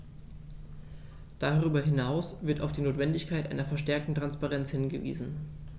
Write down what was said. Darüber hinaus wird auf die Notwendigkeit einer verstärkten Transparenz hingewiesen.